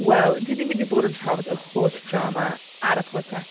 Wel dan ni'n mynd i bod yn trafod yr holl drama ar y podcast.